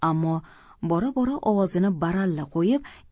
mmo bora bora ovozini baralia qo'yib